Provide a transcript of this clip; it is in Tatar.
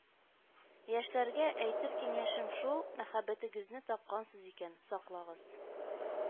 Яшьләргә әйтер киңәшем шул, мәхәббәтегезне тапкансыз икән, саклагыз